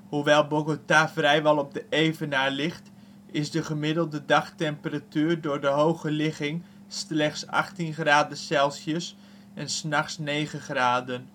Hoewel Bogota vrijwel op de evenaar ligt is de gemiddelde dagtemperatuur door de hoge ligging slechts 18 graden (' s nachts 9 graden